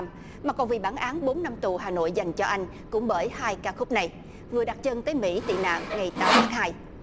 mà còn vì bản án bốn năm tù hà nội giành cho anh cũng bởi hai ca khúc này vừa đặt chân tới mĩ tị nạn ngày tám tháng hai